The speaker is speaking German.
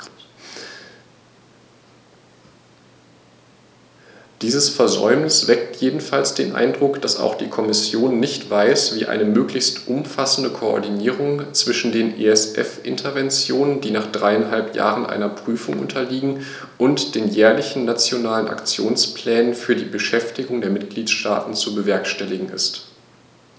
Dieses Versäumnis weckt jedenfalls den Eindruck, dass auch die Kommission nicht weiß, wie eine möglichst umfassende Koordinierung zwischen den ESF-Interventionen, die nach dreieinhalb Jahren einer Prüfung unterliegen, und den jährlichen Nationalen Aktionsplänen für die Beschäftigung der Mitgliedstaaten zu bewerkstelligen ist.